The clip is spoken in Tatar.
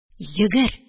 Йөгер.